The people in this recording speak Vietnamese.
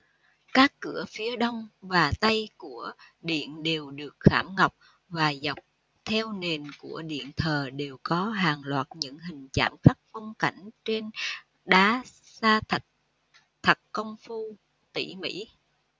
các cửa phía đông và tây của điện đều được khảm ngọc và dọc theo nền của điện thờ đều có hàng loạt những hình chạm khắc phong cảnh trên đá sa thạch thật công phu tỉ mỉ